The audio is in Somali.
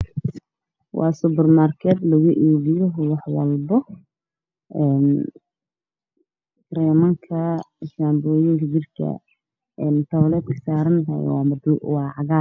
Waa subax maarged oo laku ibiyo wax walba ee gareemanka shaanboyinka waa cagaar